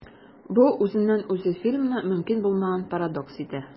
Бу үзеннән-үзе фильмны мөмкин булмаган парадокс итә.